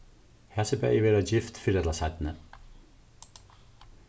hasi bæði verða gift fyrr ella seinni